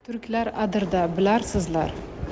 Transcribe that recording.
turklar adirda bilarsizlar